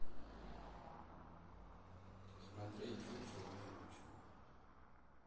смотреть чучело мяучело